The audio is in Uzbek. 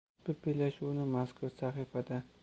ushbu bellashuvni mazkur sahifada